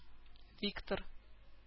Виктор